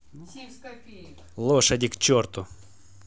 лошади к черту